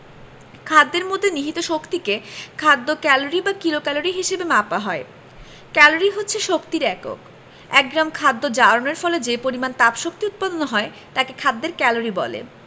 খাদ্যের মধ্যে নিহিত শক্তিকে খাদ্য ক্যালরি বা কিলোক্যালরি হিসেবে মাপা হয় ক্যালরি হচ্ছে শক্তির একক এক গ্রাম খাদ্য জারণের ফলে যে পরিমাণ তাপশক্তি উৎপন্ন হয় তাকে খাদ্যের ক্যালরি বলে